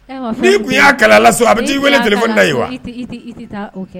Ni tun y’a kalan na so a bi t’i wele téléphone n’a in wa ?